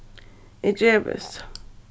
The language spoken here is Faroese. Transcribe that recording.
eg gevist